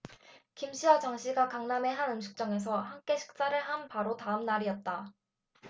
김 씨와 장 씨가 강남의 한 음식점에서 함께 식사를 한 바로 다음 날이었다